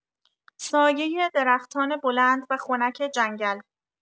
سایۀ درختان بلند و خنک جنگل